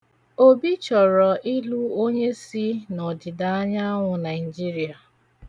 Obi chọrọ ịlụ onye si n'ọdịdaanyanwụ Naịjirịa.